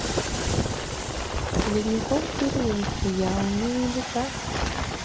ледниковый период я умею летать